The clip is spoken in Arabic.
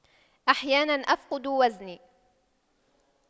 أحيانا أفقد وزني